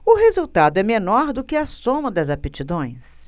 o resultado é menor do que a soma das aptidões